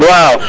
waaw